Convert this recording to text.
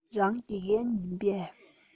རང དགེ རྒན ཡིན པས